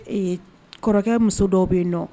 Ee k kɔrɔkɛ muso dɔw bɛ yen nɔ